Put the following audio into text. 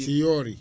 si yoori